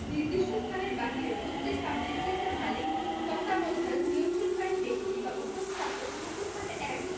নির্দিষ্ট স্থানের বাহিরে প্রত্যেক পাবলিক প্লেসের মালিক তত্ত্বাবধায়ক নিয়ন্ত্রণকারী ব্যক্তিবা উপস্থাপক উক্ত স্থানের এক